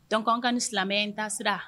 Donc an ka nin silamɛya in taasira